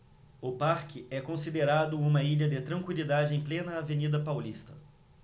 o parque é considerado uma ilha de tranquilidade em plena avenida paulista